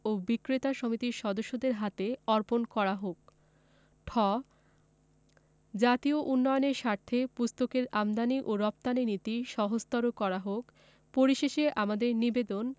ও বিক্রেতা সমিতির সদস্যদের হাতে অর্পণ করা হোক ঠ জাতীয় উন্নয়নের স্বার্থে পুস্তকের আমদানী ও রপ্তানী নীতি সহজতর করা হোক পরিশেষে আমাদের নিবেদন